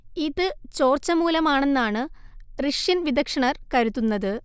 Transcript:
ഇത് ചോർച്ച മൂലമാണെന്നാണ് റഷ്യൻ വിദഗ്ദ്ധർ കരുതുന്നത്